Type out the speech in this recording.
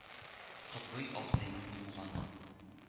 Котбый абзыйның комганы